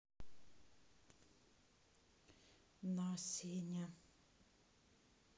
на сеня